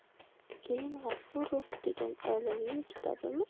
keyin g'afurov degan olimning kitobini